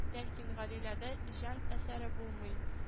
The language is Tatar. Ләкин Гадиләдә җан әсәре булмый